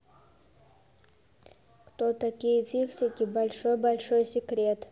кто такие фиксики большой большой секрет